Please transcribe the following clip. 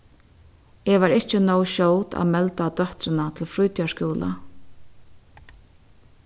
eg var ikki nóg skjót at melda dóttrina til frítíðarskúla